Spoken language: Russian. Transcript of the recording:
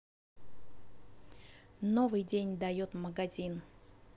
новый день дает магазин